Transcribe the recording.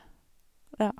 Ja.